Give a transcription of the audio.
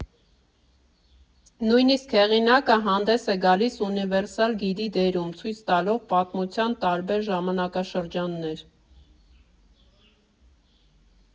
Նույնիսկ հեղինակը հանդես է գալիս ունիվերսալ գիդի դերում՝ ցույց տալով պատմության տարբեր ժամանակաշրջաններ։